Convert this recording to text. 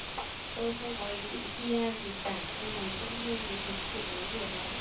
tôi không có ý định pr gì cả tôi mời diễm hương vì thực sự muốn điều đó